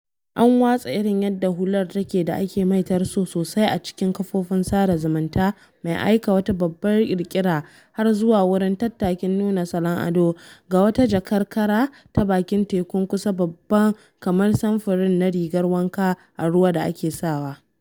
An watsa irin yadda hular take da ake maitar so sosai a cikin kafofin sada zumunta mai aika wata babbar kirkira har zuwa wurin tattakin nuna salon ado - ga wata jakar kara ta bakin teku kusan babba kamar samfuri na rigar wanka a ruwa da ake sawa.